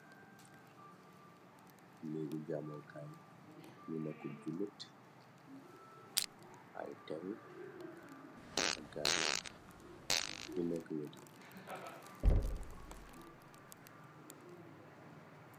Néegu jaamokaay ñu nekkut ju lét ay teng ak gaadin bi nekk wéetak.